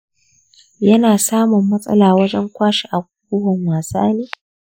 yana samun matsala wajen kwashe abubuwan wasansa